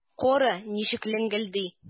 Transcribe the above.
Кара, ничек ләңгелди!